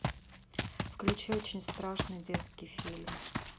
включи очень страшный детский фильм